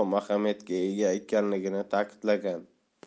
muhim ahamiyatga ega ekanligini ta'kidlagan